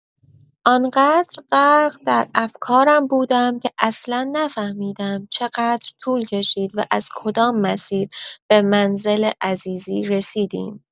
آنقدر غرق در افکارم بودم که اصلا نفهیمدم چه‌قدر طول کشید و از کدام مسیر به منزل عزیزی رسیدیم.